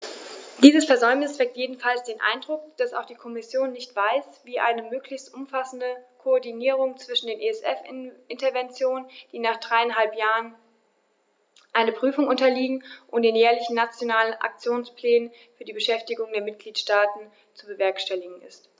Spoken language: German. Dieses Versäumnis weckt jedenfalls den Eindruck, dass auch die Kommission nicht weiß, wie eine möglichst umfassende Koordinierung zwischen den ESF-Interventionen, die nach dreieinhalb Jahren einer Prüfung unterliegen, und den jährlichen Nationalen Aktionsplänen für die Beschäftigung der Mitgliedstaaten zu bewerkstelligen ist.